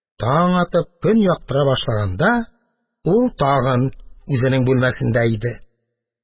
Таң атып, көн яктыра башлаганда, ул тагын үзенең бүлмәсендә иде.